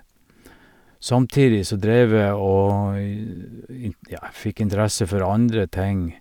Samtidig så drev jeg og, int ja, jeg fikk interesse for andre ting.